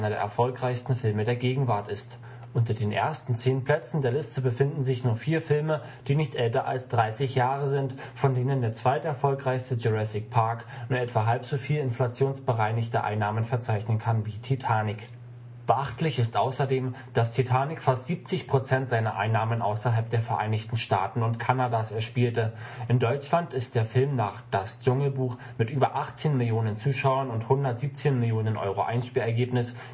erfolgreichsten Filme der Gegenwart ist. Unter den ersten zehn Plätzen der Liste befinden sich nur vier Filme, die nicht älter als 30 Jahre sind, von denen der zweiterfolgreichste, Jurassic Park (1993), nur etwa halb so viel inflationsbereinigte Einnahmen verzeichnen kann wie Titanic. Beachtlich ist außerdem, dass Titanic fast 70 Prozent seiner Einnahmen außerhalb der Vereinigten Staaten und Kanadas erspielte. In Deutschland ist der Film nach Das Dschungelbuch (1967) mit über 18 Millionen Zuschauern und 117 Millionen Euro Einspielergebnis